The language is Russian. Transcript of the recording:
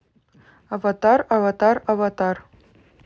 аватар аватар аватар